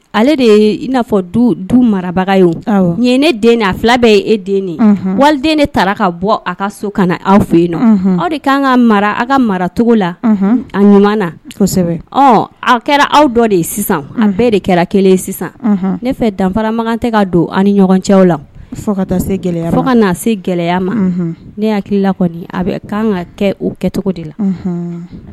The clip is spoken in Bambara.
Ale de n'a fɔ du du marabaga ye nin ne den fila bɛɛ ye e den nin wali den de taara ka bɔ a ka so ka na aw fɛ yen nɔn aw de'an ka aw ka maracogo la a ɲɔgɔn na aw kɛra aw dɔ de ye sisan a bɛɛ de kɛra kelen sisan ne fɛ danfaramagan tɛ ka don aw ni ɲɔgɔncɛ la se gɛlɛya fo ka se gɛlɛya ma ne hakili la a' ka kɛ o kɛcogo de la